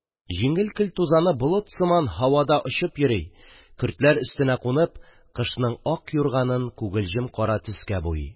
Җиңел көл тузаны болыт сыман һавада очып йөри, көртләр өстенә кунып, кышның ак юрганын күгелҗем-кара төскә буйый.